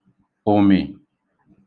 ụ̀mị̀